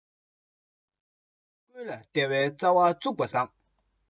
ས སྟེང འདི རུ ཁམ སྡོང བཙུགས པ དགའ